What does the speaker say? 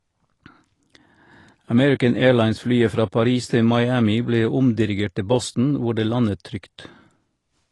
American Airlines-flyet fra Paris til Miami ble omdirigert til Boston hvor det landet trygt.